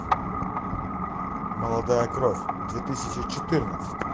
молодая кровь две тысячи четырнадцать